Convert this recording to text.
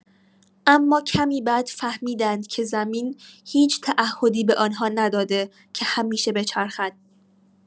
اما کمی بعد فهمیدند که زمین هیچ تعهدی به آن‌ها نداده که همیشه بچرخد!